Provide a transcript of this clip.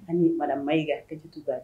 Ami madame Mayiga